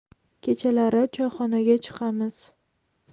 kechalari choyxonaga chiqamiz